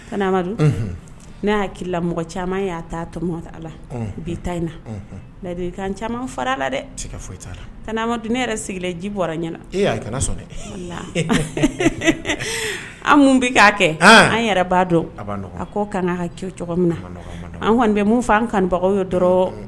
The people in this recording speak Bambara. Amadu nela mɔgɔ caman'a taa tɔmɔ a la bi ta in na ladi caman fara la dɛ amadu ne yɛrɛ sigilen ji bɔra ɲɛna an kun bɛ k'a kɛ an yɛrɛ' dɔn a kana' ka kɛ cogo min na an kɔni bɛ mun fɔ' an kanbagaw ye dɔrɔn